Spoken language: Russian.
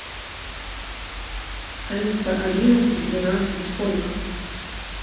алиса одиннадцать двенадцать сколько